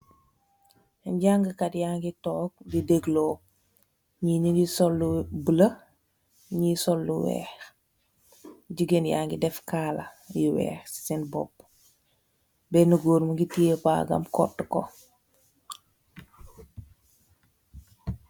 Janga kat ya ngi tóóg di dèglu ñi ñgi sol lu bula ngi sol lu wèèx. Gigeen ya ngi dèf kala yu wèèx sèèn bopú yi. Benna gór mugii teyeh bagam kotu ko.